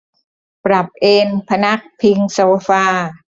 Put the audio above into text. ปรับเอนพนักพิงโซฟา